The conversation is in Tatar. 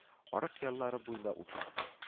Арык ярлары буенда утыр